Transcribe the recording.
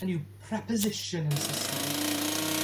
Hynny yw preposition yn Sysneg.